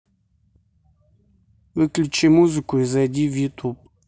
выключи музыку и зайди в ютуб